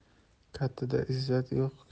kattada izzat yo'q